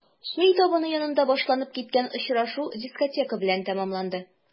Чәй табыны янында башланып киткән очрашу дискотека белән тәмамланды.